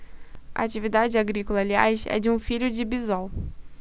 a atividade agrícola aliás é de um filho de bisol